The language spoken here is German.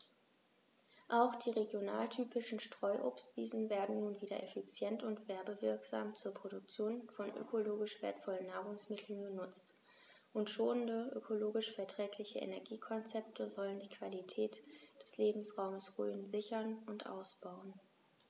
Auch die regionaltypischen Streuobstwiesen werden nun wieder effizient und werbewirksam zur Produktion von ökologisch wertvollen Nahrungsmitteln genutzt, und schonende, ökologisch verträgliche Energiekonzepte sollen die Qualität des Lebensraumes Rhön sichern und ausbauen.